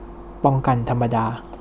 ป้องกันธรรมดา